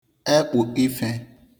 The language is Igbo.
ẹkpụ ife